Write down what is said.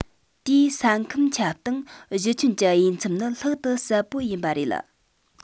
དེའི ས ཁམས ཁྱབ སྟངས གཞི ཁྱོན གྱི དབྱེ མཚམས ནི ལྷག ཏུ གསལ པོ ཡིན པ རེད